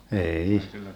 ei